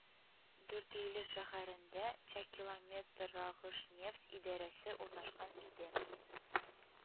Дүртөйле шәһәрендә Чакилометрагышнефть идарәсе урнашкан иде